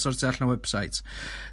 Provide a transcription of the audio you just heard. ...sortio allan y website